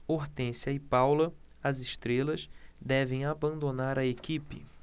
hortência e paula as estrelas devem abandonar a equipe